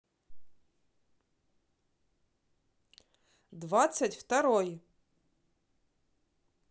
двадцать второй